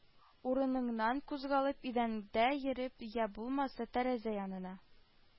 Урыныңнан кузгалып идәндә йөреп, йә булмаса, тәрәзә янына